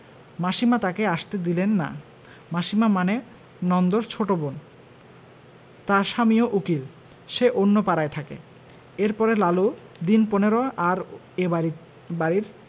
মাসীমা তাকে আসতে দিলেন না মাসিমা মানে নন্দর ছোট বোন তার স্বামীও উকিল সে অন্য পাড়ায় থাকেএর পরে লালু দিন পনেরো আর এ বাড়ির